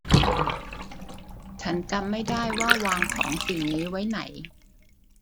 ฉันจำไม่ได้ว่าวางของสิ่งนี้ไว้ไหน